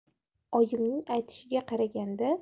oyimning aytishiga qaraganda